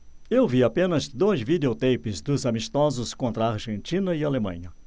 eu vi apenas dois videoteipes dos amistosos contra argentina e alemanha